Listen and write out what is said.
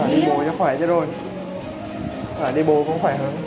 đi bộ cho khỏe chơ rồi nãy đi bộ còn khỏe hơn